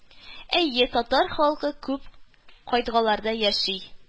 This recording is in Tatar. Әйе, татар халкы күп кыйтгаларда яши